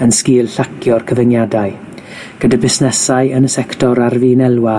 yn sgil llacio'r cyfyngiadau, gyda busnesau yn y sector ar fin elwa